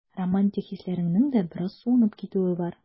Романтик хисләреңнең дә бераз суынып китүе бар.